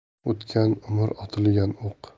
o'tgan umr otilgan o'q